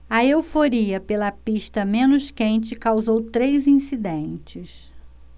a euforia pela pista menos quente causou três incidentes